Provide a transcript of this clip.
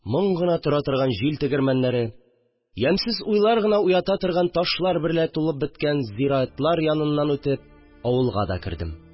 Моң гына тора торган җил тегермәннәре, ямьсез уйлар гына уята торган ташлар берлә тулып беткән зыяратлар яныннан үтеп, авылга да кердем